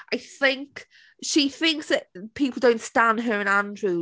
I think she thinks that people don't stan her and Andrew.